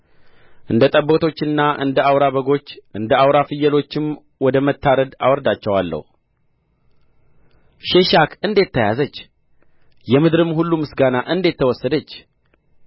እንደ ጠቦቶችና እንደ አውራ በጎች እንደ አውራ ፍየሎችም ወደ መታረድ አወርዳቸዋለሁ ሼሻክ እንዴት ተያዘች የምድርም ሁሉ ምስጋና እንዴት ተወሰደች